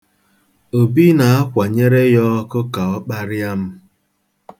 Obi na-akwanyere ya ọkụ ka ọ kparịa m.